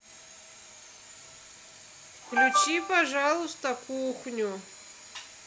включи пожалуйста кухню